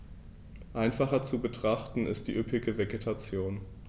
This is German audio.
Einfacher zu betrachten ist die üppige Vegetation.